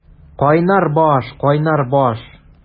Кайнар баш, кайнар баш!